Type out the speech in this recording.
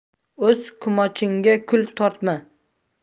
o'z kumochingga kul tortma